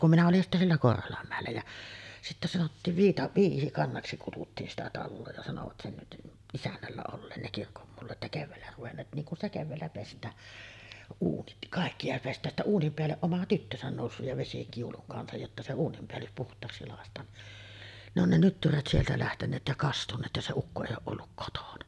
kun minä olin sitten siellä Korholanmäellä ja sitten sanottiin - Viisikannaksi kutsuttiin sitä taloa ja sanoivat sen isännällä olleen ne kirkonmullat ja keväällä ruvenneet niin kun sitä keväällä pestään uunit kaikki ja pestään ja sitten uunin päälle oma tyttönsä noussut ja vesikiulun kanssa jotta se uuninpäällys puhtaaksi lakaistaan niin ne on ne nyttyrät sieltä lähteneet ja kastuneet ja se ukko ei ole ollut kotona